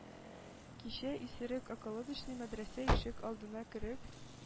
Кичә исерек околодочный мәдрәсә ишек алдына кереп,